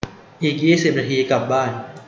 อีกยี่สิบนาทีกลับบ้าน